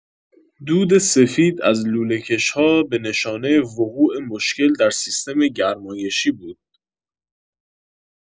دود سفید از لوله‌کش‌ها به نشانه وقوع مشکل در سیستم گرمایشی بود.